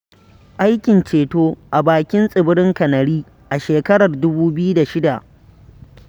Aikin ceto a bakin Tsibirin Kanari a shekarar 2006.